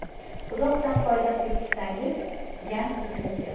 uzoqdan poylab tekkizsangiz gan sizniki